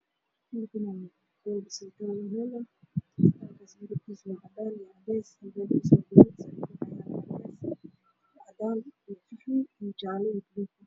Waa qol isbitaal sariiro yaalo